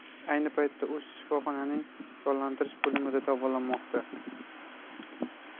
ayni paytda u shifoxonaning jonlantirish bo'limida davolanmoqda